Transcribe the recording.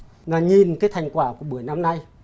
là nhìn cái thành quả của buổi năm nay